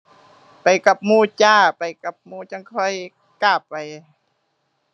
ไปกับหมู่จ้า ไปกับหมู่จั่งค่อยกล้าไป